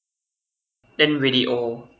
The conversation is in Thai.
เล่นวีดีโอ